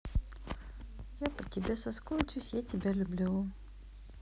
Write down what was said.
я по тебе соскучусь я тебя люблю